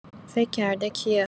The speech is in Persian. فکر کرده کیه؟